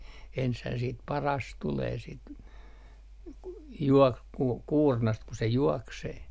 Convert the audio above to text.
ensinhän sitten paras tulee sitten - kun kuurnasta kun se juoksee